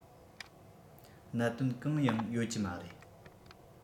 གནད དོན གང ཡང ཡོད ཀྱི མ རེད